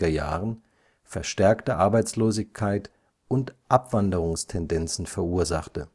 Jahren verstärkte Arbeitslosigkeit und Abwanderungstendenzen verursachte